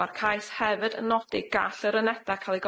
Ma'r cais hefyd yn nodi gall yr aneda ca'l eu